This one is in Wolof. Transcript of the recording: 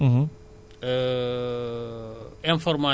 en tout cas di fàttali ni ku leen soxla yéen a ngi montagne